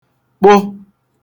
kpụ